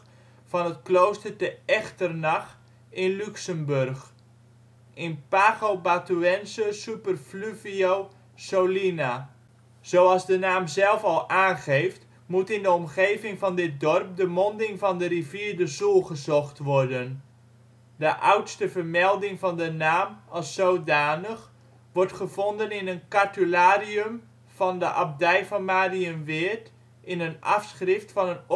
van het klooster te Echternach in Luxemburg: ".. in pago Batuense super fluvio Solina ". Zoals de naam zelf al aangeeft, moet in de omgeving van dit dorp de monding van de rivier de Zoel gezocht worden. De oudste vermelding van de naam als zodanig wordt gevonden in een cartularium van de Abdij van Mariënweerd in een afschrift van